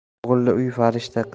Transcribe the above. o'g'illi uy farishta